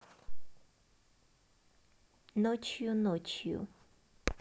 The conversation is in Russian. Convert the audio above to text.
ночью ночью